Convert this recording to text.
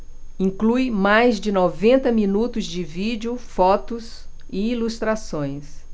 inclui mais de noventa minutos de vídeo fotos e ilustrações